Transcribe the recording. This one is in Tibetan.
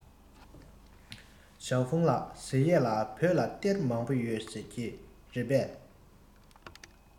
ཞའོ ཧྥུང ལགས ཟེར ཡས ལ བོད ལ གཏེར མང པོ ཡོད རེད ཟེར གྱིས རེད པས